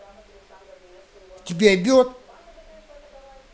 а тебя ебет